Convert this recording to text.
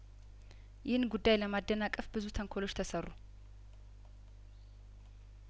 ይህን ጉዳይ ለማደናቀፍ ብዙ ተንኮሎች ተሰሩ